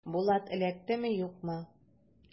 Булат эләктеме, юкмы?